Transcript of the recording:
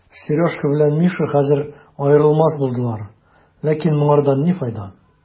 Сережка белән Миша хәзер аерылмас булдылар, ләкин моңардан ни файда?